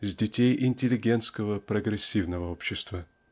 с детей интеллигентского прогрессивного общества.